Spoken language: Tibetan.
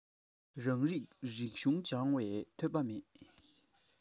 རང རིགས རིག གཞུང སྦྱངས པའི ཐོས པ མེད